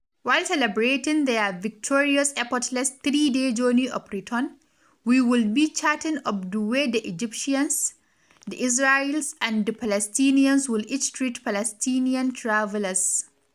While celebrating their victorious effortless 3-day journey of return, we would be chatting of the way the Egyptians, the Israelis and the Palestinians would each treat Palestinian travelers.